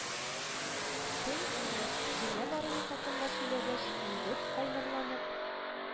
Тен аны җиңә баруы хакында сөйләгәч, егет, кайнарланып: